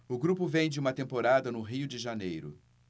o grupo vem de uma temporada no rio de janeiro